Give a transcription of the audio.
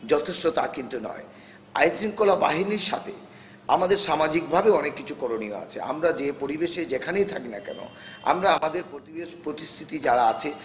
যথেষ্ট তা নয় আইনশৃঙ্খলা বাহিনীর সাথে আমাদের সামাজিক ভাবে অনেক কিছু করনীয় আছে আমরা যে পরিবেশে যেখানেই থাকি না কেন আমরা আমাদের পরিবেশ পরিস্থিতি যারা আছে